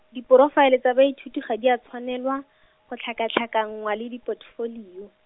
diporofaele tsa baithuti ga di a tshwanelwa, go tlhakatlhakanngwa le dipotefolio.